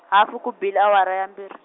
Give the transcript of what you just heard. hafu ku bile awara ya mbirhi.